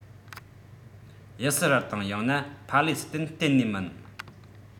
དབྱི སི རལ དང ཡང ན ཕ ལེ སི ཐན གཏན ནས མིན